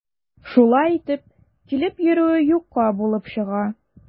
Шулай итеп, килеп йөрүе юкка булып чыга.